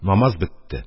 Намаз бетте.